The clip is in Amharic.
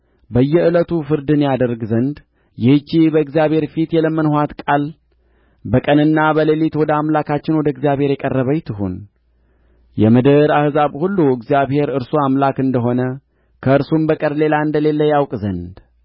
በየዕለቱ ፍርድን ያደርግ ዘንድ ይህች በእግዚአብሔር ፊት የለመንኋት ቃል በቀንና በሌሊት ወደ አምላካችን ወደ እግዚአብሔር የቀረበች ትሁን የምድር አሕዛብ ሁሉ እግዚአብሔር እርሱ አምላክ እንደ ሆነ ከእርሱም በቀር ሌላ እንደሌለ ያውቅ ዘንድ